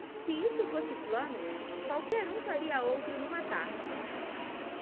se isso fosse plano qualquer um faria outro numa tarde